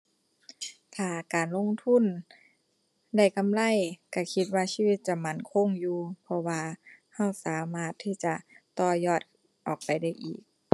ถ้าการลงทุนได้กำไรก็คิดว่าชีวิตจะมั่นคงอยู่ เพราะว่าก็สามารถที่จะต่อยอดออกไปได้อีก